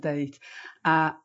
...deud a